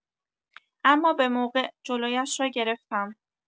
اما به‌موقع جلویش را گرفتم.